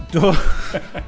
Do!